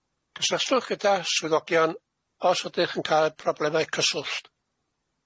Cysylltwch gyda swyddogion os ydych yn cael problemau cyswllt.